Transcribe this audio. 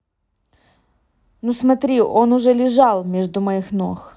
ну смотри он уже лежал между моих ног